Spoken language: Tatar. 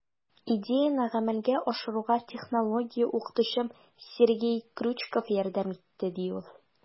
Идеяне гамәлгә ашыруга технология укытучым Сергей Крючков ярдәм итте, - ди ул.